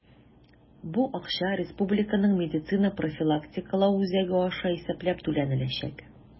Бу акча Республиканың медицина профилактикалау үзәге аша исәпләп түләнеләчәк.